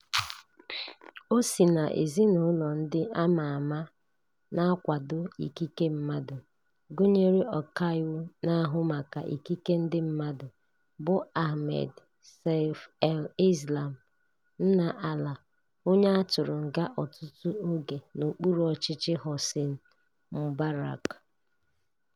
O si n'ezinụlọ ndị a ma ama na-akwado ikike mmadụ, gụnyere ọkaiwu na-ahụ maka ikike ndị mmadụ bụ Ahmed Seif El Islam, nna Alaa, onye a tụrụ nga ọtụtụ oge n'okpuru ọchịchị Hosni Mubarak.